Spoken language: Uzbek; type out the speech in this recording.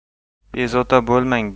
bezovta bo'lmang buni